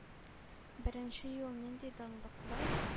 Беренче юл нинди данлыклы,